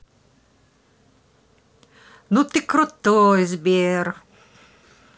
ну ты крутой сбер